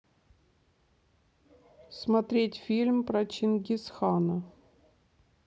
смотреть фильм про чингисхана